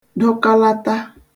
dụkalata